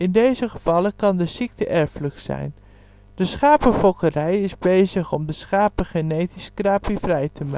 deze gevallen kan de ziekte erfelijk zijn. De schapenfokkerij is bezig om de schapen genetisch scrapie vrij te